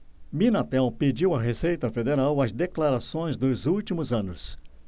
minatel pediu à receita federal as declarações dos últimos anos